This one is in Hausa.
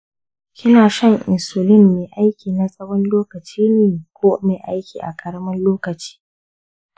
kina shan insulin mai aiki na tsawon lokaci ne ko mai aiki na ƙaramin lokaci?